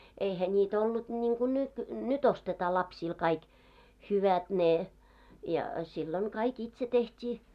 eihän niitä ollut niin kuin nyt nyt ostetaan lapsille kaikki hyvät ne ja silloin kaikki itse tehtiin